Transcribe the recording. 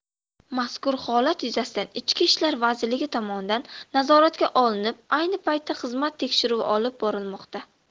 mazkur holat yuzasidan ichki ishlar vazirligi tomonidan nazoratga olinib ayni paytda xizmat tekshiruvi olib borilmoqda